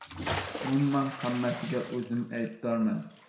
umuman hammasiga o'zim aybdorman